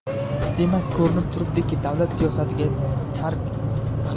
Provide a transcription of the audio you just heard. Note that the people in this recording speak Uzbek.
demak ko'rinib turibdiki davlat siyosatiga targ